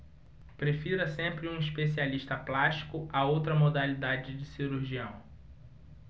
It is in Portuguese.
prefira sempre um especialista plástico a outra modalidade de cirurgião